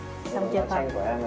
xong chưa con